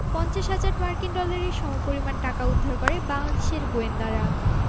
৫০ হাজার মার্কিন ডলারের সমপরিমাণ টাকা উদ্ধার করে বাংলাদেশের গোয়েন্দারা